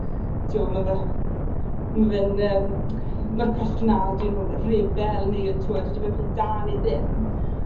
t'wod ma' fe ma' fe'n yym ma'r cwestiwn 'na ydyn nw'n rebel neu yy t'wod ydi fe'n peth da neu ddim.